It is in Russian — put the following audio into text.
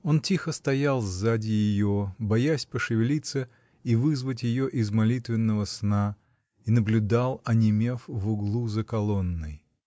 Он тихо стоял сзади ее, боясь пошевелиться и вызвать ее из молитвенного сна, и наблюдал, онемев в углу за колонной.